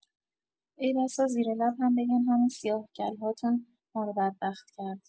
ای‌بسا زیر لب هم بگن همون «سیاهکل‌هاتون ما رو بدبخت کرد».